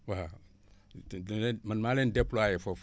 waaw te dina leen man maa leen déployer foofu